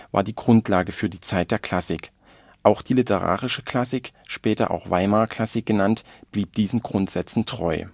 war die Grundlage für die Zeit der Klassik. Auch die literarische Klassik, später auch Weimarer Klassik genannt, blieb diesen Grundsätzen treu